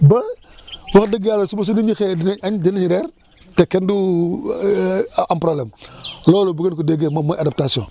wax dëgg yàlla suba su nit ñi xëyee dinañ añ dinañ reer te kenn du am problème loolu bu ngeen ko déggee moom mooy adaptation